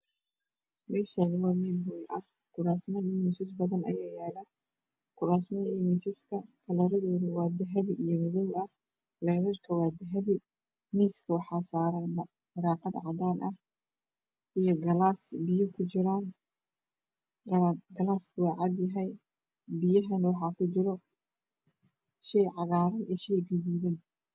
Meeshaani waa meel hool ah kuraaso badan iyo miisas badan ayaa yaalo kuraasaska iyo miisaska labadooda waa dahabi madow ah leerarka waa dahabi miiska waxaa saaran jaakad cadaan iyo galaas biyo ku jiraan galaaska wuu cadyahay galaaska waxaa ku jira shay cagaaran iyo shay gaduudan